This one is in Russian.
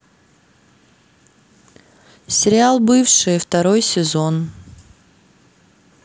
сериал бывшие второй сезон